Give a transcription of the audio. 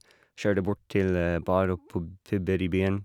Kjører det bort til bar og påb puber i byen.